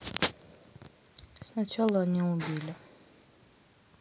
сначала они убили